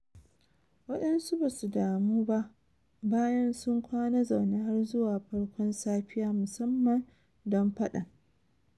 Wadansu ba su damu ba bayan sun kwana zaune har zuwa har farkon safiya musamman don fadan.